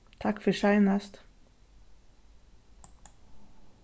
takk fyri seinast